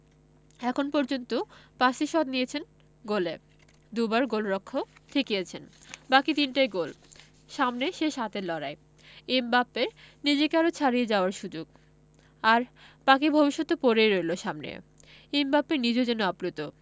এখন পর্যন্ত ৫টি শট নিয়েছেন গোলে দুবার গোলরক্ষক ঠেকিয়েছেন বাকি তিনটাই গোল সামনে শেষ আটের লড়াই এমবাপ্পের নিজেকে আরও ছাড়িয়ে যাওয়ার সুযোগ আর বাকি ভবিষ্যৎ তো পড়েই রইল সামনে এমবাপ্পে নিজেও যেন আপ্লুত